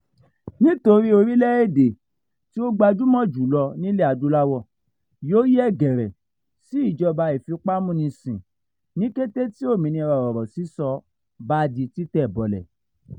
Nítorí orílẹ̀ èdèe tí ó gbajúmọ̀ jù lọ nílẹ̀ Adúláwọ̀ yóò yẹ̀ gẹ̀rẹ̀ sí ìjọba ìfipámúnisìn ní kété tí òmìnira ọ̀rọ̀ sísọ bá di títẹ̀ bọlẹ̀.